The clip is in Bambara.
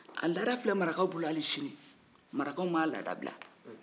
a laada filɛ marakaw bolo ali sini marakaw ma laada bila